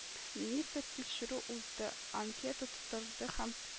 Министр тикшерү узды, анкета тутырды һәм